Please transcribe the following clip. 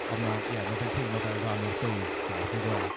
Ond ma' ie ma' fe'n teimlo fel rhan o'r swydd nawr nagyw e?